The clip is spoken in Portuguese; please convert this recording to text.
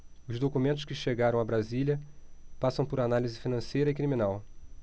os documentos que chegaram a brasília passam por análise financeira e criminal